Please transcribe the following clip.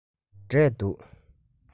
འབྲས འདུག